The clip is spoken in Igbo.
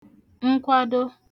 nkwado